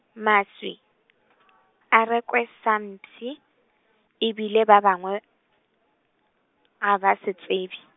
maswi, a rekwe sampshi, e bile ba bangwe, a ba se tsebe.